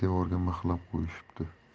devorga mixlab qo'yishibdi